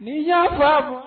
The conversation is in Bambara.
Niba